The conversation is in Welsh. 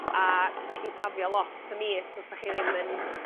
a 'dach chi'n safio lot y mis os 'dach chi ddim yn